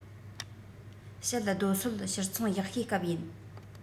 བཤད རྡོ སོལ ཕྱིར ཚོང ཡག ཤོས སྐབས ཡིན